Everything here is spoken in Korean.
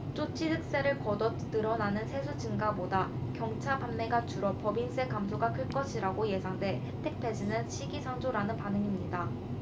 또 취득세를 거둬 늘어나는 세수 증가보다 경차 판매가 줄어 법인세 감소가 클 것이라고 예상돼 혜택 폐지는 시기상조라는 반응입니다